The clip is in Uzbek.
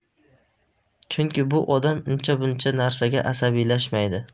chunki bu odam uncha buncha narsaga asabiylashmaydi